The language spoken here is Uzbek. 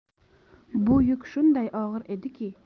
bu yuk shunday og'ir ediki